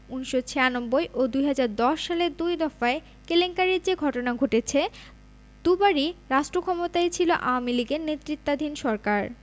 ১৯৯৬ ও ২০১০ সালের দুই দফায় কেলেঙ্কারির যে ঘটনা ঘটেছে দুবারই রাষ্ট্রক্ষমতায় ছিল আওয়ামী লীগের নেতৃত্বাধীন সরকার